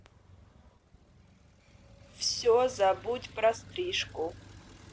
все забудь про стрижку